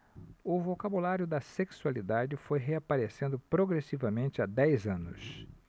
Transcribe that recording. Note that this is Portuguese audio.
o vocabulário da sexualidade foi reaparecendo progressivamente há dez anos